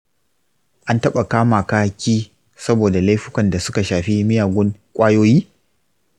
an taɓa kama ka/ki saboda laifukan da suka shafi miyagun ƙwayoyi?